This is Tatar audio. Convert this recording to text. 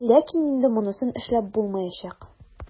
Ләкин инде монысын эшләп булмаячак.